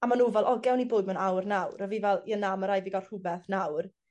A ma' n'w fel o gewn ni bwyd mewn awr nawr a fi fel ie na ma' rai' fi ga'l rhwbeth nawr.